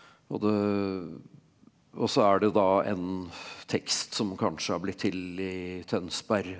og det og så er det da en tekst som kanskje har blitt til i Tønsberg.